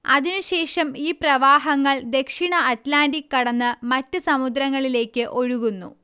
അതിനുശേഷം ഈ പ്രവാഹങ്ങൾ ദക്ഷിണ അറ്റ്ലാന്റിക് കടന്ന് മറ്റു സമുദ്രങ്ങളിലേക്ക് ഒഴുകുന്നു